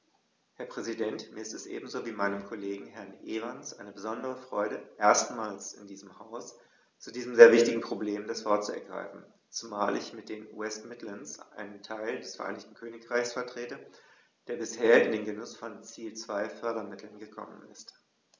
Herr Präsident, mir ist es ebenso wie meinem Kollegen Herrn Evans eine besondere Freude, erstmals in diesem Haus zu diesem sehr wichtigen Problem das Wort zu ergreifen, zumal ich mit den West Midlands einen Teil des Vereinigten Königreichs vertrete, der bisher in den Genuß von Ziel-2-Fördermitteln gekommen ist.